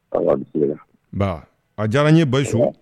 Ba a diyara n ye basɔn